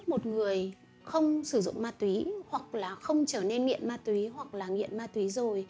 muốn giúp một người không nghiện ma túy hoặc không trở lên nghiện ma túy hoặc nghiện ma túy rồi